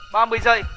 ba mươi giây